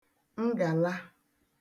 ngàla